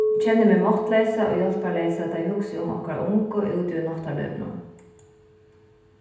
kenni meg máttleysa og hjálparleysa tá eg hugsi um okkara ungu úti í náttarlívinum